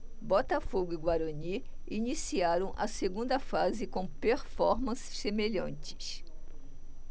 botafogo e guarani iniciaram a segunda fase com performances semelhantes